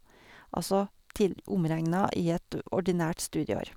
Altså, til omregna i et ordinært studieår.